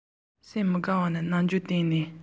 ཞེས མི རངས པའི སྡིགས མོ བྱས